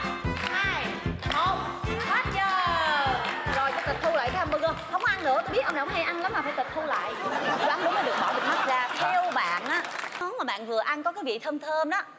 ba hai một hết giờ rồi cho tịch thu lại cái ham bơ gơ hông có ăn nữa tôi biết ông này ông hay ăn lắm mà phải tịch thu lại đoán đúng mới được bỏ bịt mắt ra theo bạn á cái món mà bạn vừa ăn có cái vị thơm thơm á